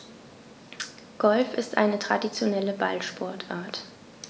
Golf ist eine traditionelle Ballsportart.